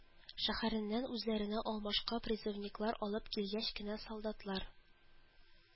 Шәһәреннән үзләренә алмашка призывниклар алып килгәч кенә солдатлар